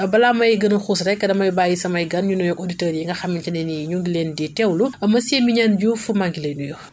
balaa may gën a xuus rek damay bàyyi samay gan énu nuyoog auditeurs yi nga xamante ne nii ñu ngi leen di teewlu monsieur Mignane Diouf maa ngi lay nuyu